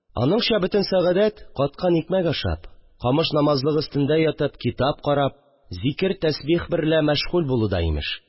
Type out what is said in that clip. Аныңча, бөтен сәгадәт – каткан икмәк ашап, камыш намазлык өстендә ятып, китап карап, зикер-тәсбих берлә мәшгуль булуда, имеш